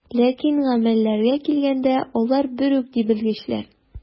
Ләкин гамәлләргә килгәндә, алар бер үк, ди белгечләр.